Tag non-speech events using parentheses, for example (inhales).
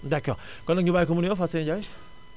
d' accord (inhales) kon nag ñu bàyyi ko mu nuyoo Fatou Seye Ndiaye